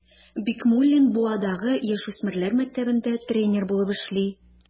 Бикмуллин Буадагы яшүсмерләр мәктәбендә тренер булып эшли.